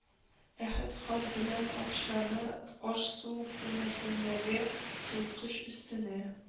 Әхәт хат белән акчаны аш-су бүлмәсендәге суыткыч өстенә